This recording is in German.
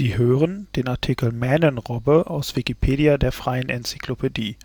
hören den Artikel Mähnenrobbe, aus Wikipedia, der freien Enzyklopädie